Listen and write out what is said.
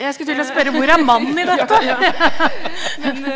jeg skulle til å spørre, hvor er mannen i dette ?